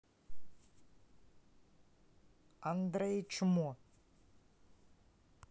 andrey чмо